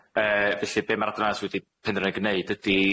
Yy felly be' ma'r Adran Addys' wedi penderfynu gneud ydi